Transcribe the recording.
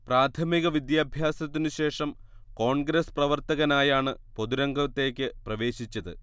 പ്രാഥമിക വിദ്യഭ്യാസത്തിന് ശേഷം കോൺഗ്രസ് പ്രവർത്തകനായാണ് പൊതുരംഗത്തേക്ക് പ്രവേശിച്ചത്